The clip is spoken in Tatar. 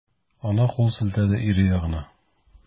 Ана кул селтәде ире ягына.